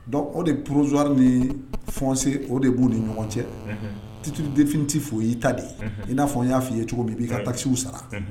Donc o de ye provisoire nii foncier o de b'u ni ɲɔgɔn cɛ unhun titre définitif o y'i ta de ye unhun i n'a fɔ n y'a f'i ye cogo min i b'i ka taxe w sara unhun